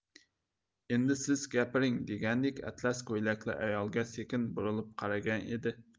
endi siz gapiring degandek atlas ko'ylakli ayolga sekin burilib qaragan edi